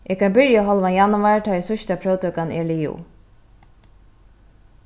eg kann byrja hálvan januar tá ið síðsta próvtøkan er liðug